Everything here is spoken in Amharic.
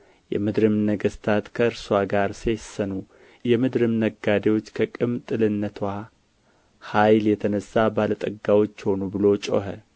የምድርም ነገሥታት ከእርስዋ ጋር ሴሰኑ የምድርም ነጋዴዎች ከቅምጥልነትዋ ኃይል የተነሳ ባለ ጠጋዎች ሆኑ ብሎ ጮኸ